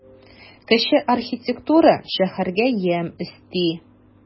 Кече архитектура шәһәргә ямь өсти.